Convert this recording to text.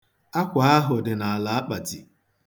Akwa ahụ dị n'ala akpati.